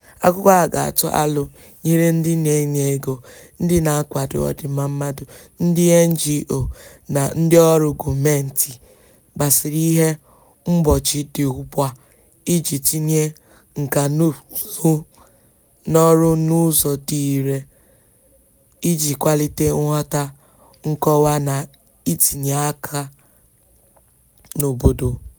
Akụkọ a ga-atụ alo nyere ndị na-enye ego, ndị na-akwado ọdịmma mmadụ, ndị NGO, na ndịọrụ gọọmentị gbasara ihe mgbochi dị ugbua iji tinye nkànaụzụ n'ọrụ n'ụzọ dị irè iji kwalite nghọta, nkọwa, na itinye aka n'obodo.